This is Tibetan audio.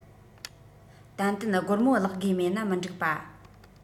ཏན ཏན སྒོར མོ བརླག དགོས མེད ན མི འགྲིག པ